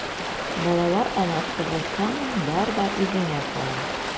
Балалар анасы булсаң, бар да үзеңә кала...